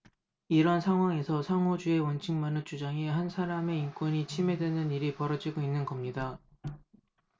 이런 상황에서 상호주의 원칙만을 주장해 한 사람의 인권이 침해되는 일이 벌어지고 있는 겁니다